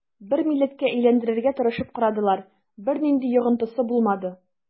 Бер милләткә әйләндерергә тырышып карадылар, бернинди дә йогынтысы булмады.